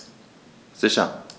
Sicher.